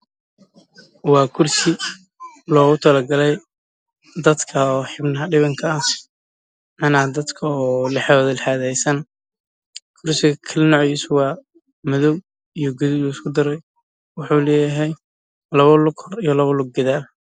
Waa kursi madow ah